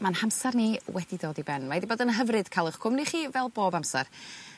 ma'n hamsar ni wedi dod i ben mae 'di bod yn hyfryd ca'l 'ych cwmni chi fel bob amsar.